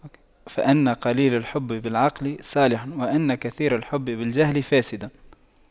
فإن قليل الحب بالعقل صالح وإن كثير الحب بالجهل فاسد